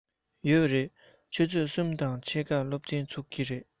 ཡོད རེད ཆུ ཚོད གསུམ དང ཕྱེད ཀར སློབ ཚན ཚུགས ཀྱི རེད